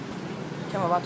cho